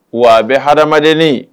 Wa bɛ ha adamadamadeneni